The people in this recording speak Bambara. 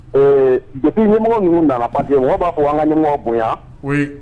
Ɛɛ jeli ɲumanmɔgɔ ninnu dala papi u b'a ko an ka bonya